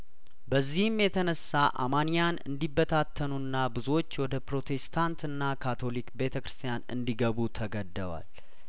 በዚህም የተነሳ አማኒያን እንዲ በታተኑና ብዙዎች ወደ ፕሮቴስታንትና ካቶሊክ ቤተክርስቲያን እንዲገቡ ተገደዋል